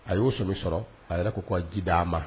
A y'o so min sɔrɔ a yɛrɛ ko k'a ji di a ma